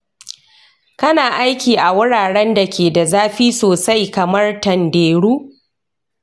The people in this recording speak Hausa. kana aiki a wuraren da ke da zafi sosai kamar tanderu